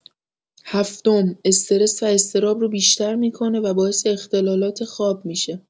هفتم، استرس و اضطراب رو بیشتر می‌کنه و باعث اختلالات خواب می‌شه.